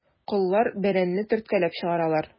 Коллар бәрәнне төрткәләп чыгаралар.